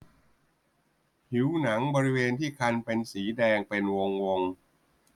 ผิวหนังบริเวณที่คันเป็นสีแดงเป็นวงวง